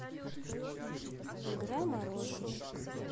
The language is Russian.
игра мороженщик